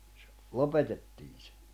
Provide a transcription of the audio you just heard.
- lopetettiin se